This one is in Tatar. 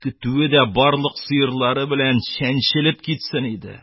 Көтүе дә барлык сыерлары белән чәнчелеп китсен иде.